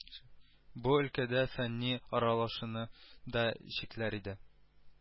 Бу өлкәдә фәнни аралашуны да чикләр иде